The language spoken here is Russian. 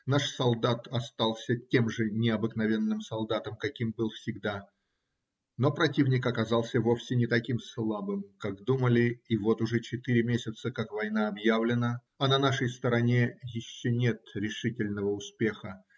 Наш солдат остался тем же необыкновенным солдатом, каким был всегда, но противник оказался вовсе не таким слабым, как думали, и вот уже четыре месяца, как война объявлена, а на нашей стороне еще нет решительного успеха.